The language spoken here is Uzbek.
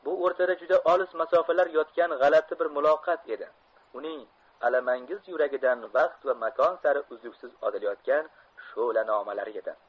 bu o'rtada juda olis masofalar yotgan g'alati bir muloqot edi uning alamangiz yuragidan vaqt va makon sari uzluksiz otilayotgan shulanamolar edi